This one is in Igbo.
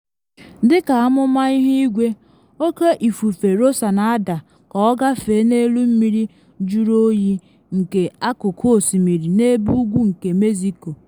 Dị ka amụma ihuigwe, Oke Ifufe Rosa na ada ka ọ agafe n’elu mmiri juru oyi nke akụkụ osimiri n’ebe ugwu nke Mexico.